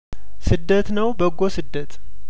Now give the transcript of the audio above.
ስደት ነው በጐ ስደት